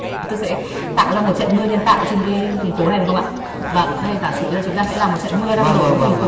tôi sẽ tạo ra một trận mưa nhân tạo trên cái thành phố này được không ạ vâng đây giả sử bây giờ chúng ta sẽ làm một trận mưa đang đổ xuống